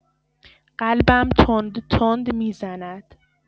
قلبم تند تند می‌زند.